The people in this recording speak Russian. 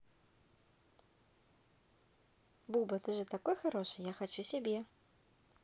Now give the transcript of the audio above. буба ты же такой хороший я хочу себе